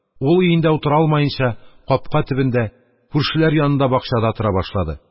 Ул, өендә утыра алмаенча, капка төбендә, күршеләр янында бакчада тора башлады.